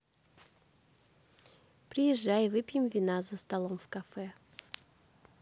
приезжай выпьем вина за столом в кафе